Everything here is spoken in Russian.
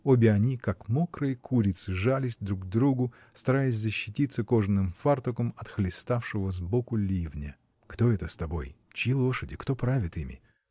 Обе они, как мокрые курицы, жались друг к другу, стараясь защититься кожаным фартуком от хлеставшего сбоку ливня. — Кто это с тобой? Чьи лошади, кто правит ими?